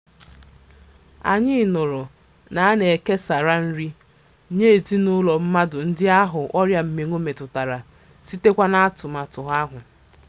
GV: Anyị nụrụ na a na-ekesara nri nye ezinụlọ mmadụ ndị ahụ ọrịa mmịnwụ metụtara site kwa n'atụmatụ ahụ.